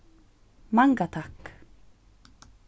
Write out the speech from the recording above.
manga takk